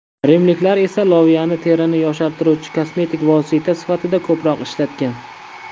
rimliklar esa loviyani terini yoshartiruvchi kosmetik vosita sifatida ko'proq ishlatgan